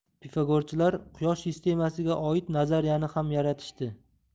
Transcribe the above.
pifagorchilar quyosh sistemasiga oid nazariyani ham yaratishdi